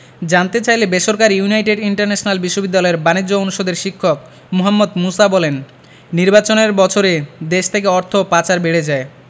জানতে চাইলে বেসরকারি ইউনাইটেড ইন্টারন্যাশনাল বিশ্ববিদ্যালয়ের বাণিজ্য অনুষদের শিক্ষক মোহাম্মদ মুসা বলেন নির্বাচনের বছরে দেশ থেকে অর্থ পাচার বেড়ে যায়